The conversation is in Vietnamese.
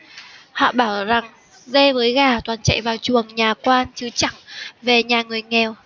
họ bảo rằng dê với gà toàn chạy vào chuồng nhà quan chứ chẳng về nhà người nghèo